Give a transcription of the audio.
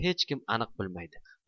hechkim aniq bilmaydi